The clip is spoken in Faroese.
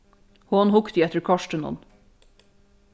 hon hugdi eftir kortinum